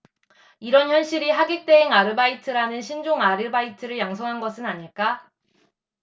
이런 현실이 하객 대행 아르바이트라는 신종 아르바이트를 양성한 것은 아닐까